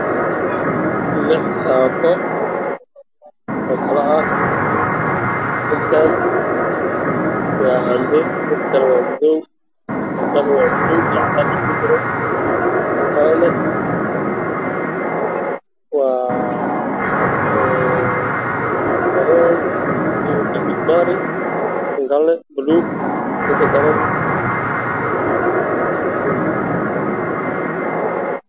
Waa dhar ka dumar sida saakoyin